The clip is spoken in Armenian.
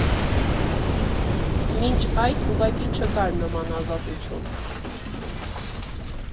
Մինչ այդ ուղղակի չկար նման ազատություն։